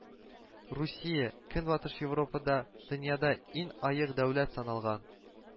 Русия Көнбатыш Европада, дөньяда иң аек дәүләт саналган